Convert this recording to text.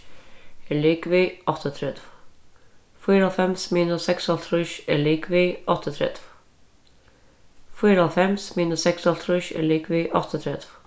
er ligvið áttaogtretivu fýraoghálvfems minus seksoghálvtrýss er ligvið áttaogtretivu fýraoghálvfems minus seksoghálvtrýss er ligvið áttaogtretivu